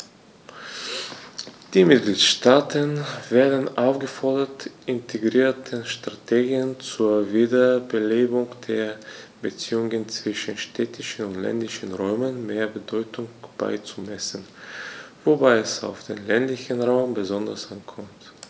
Die Mitgliedstaaten werden aufgefordert, integrierten Strategien zur Wiederbelebung der Beziehungen zwischen städtischen und ländlichen Räumen mehr Bedeutung beizumessen, wobei es auf den ländlichen Raum besonders ankommt.